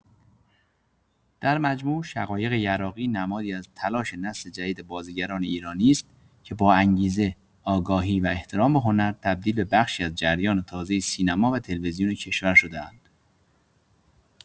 در مجموع، شقایق یراقی نمادی از تلاش نسل جدید بازیگران ایرانی است که باانگیزه، آگاهی و احترام به هنر، تبدیل به بخشی از جریان تازه سینما و تلویزیون کشور شده‌اند.